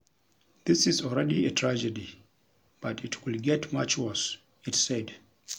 "This is already a tragedy, but it could get much worse," it said.